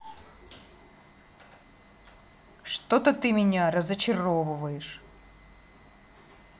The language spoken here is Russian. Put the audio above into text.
что то ты меня разочаровываешь